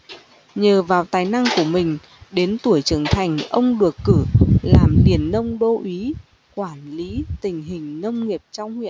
nhờ vào tài năng của mình đến tuổi trưởng thành ông được cử làm điển nông đô úy quản lý tình hình nông nghiệp trong huyện